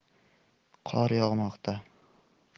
qor yog'moqda